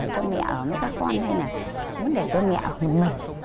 để cho mẹ mới các con hay là muốn để cho mẹ một mình